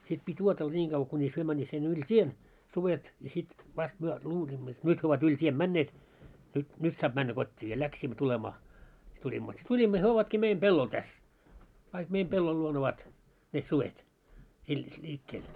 sitten piti odotella niin kauan kunis he menivät sinne yli tien sudet ja sitten vasta me luulimme jotta nyt he ovat yli tien menneet nyt nyt saa mennä kotiin ja lähdimme tulemaan sitten tulimme sitten tulimme ja he ovatkin meidän pellolla tässä kaikki meidän pellon luona ovat ne sudet - liikkeellä